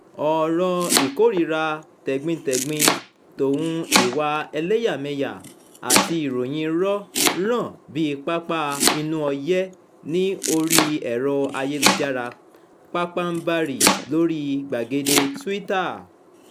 Ọ̀rọ̀ ìkórìíra tẹ̀gbintẹ̀gbin tòun ìwà ẹlẹ́yàmẹyà àti ìròyìn irọ́ ràn bíi pápá inú ọyẹ́ ní orí ẹ̀rọ ayélujára, pabambarì lóríi gbàgede Twitter.